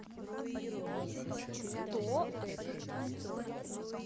кто этот актер